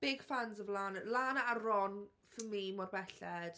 Big fans of Lan- Lana a Ron, for me, mor belled.